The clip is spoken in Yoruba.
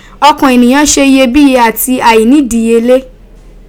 Okan eniyan se iyebiye ati ainidiyele.